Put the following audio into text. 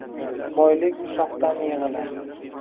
boylik ushoqdan yig'ilar